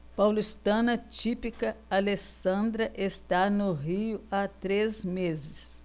paulistana típica alessandra está no rio há três meses